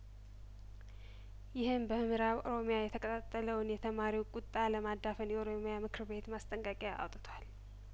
ይህን በምህ ራብ ኦሮሚያ የተቀጣጠለውን የተማሪው ቁጣ ለማዳፈን የኦሮሚያ ምክር ቤት ማስጠንቀቂያ አውጥቷል